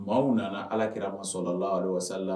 Maaw nana alakira ma sɔnla lawasala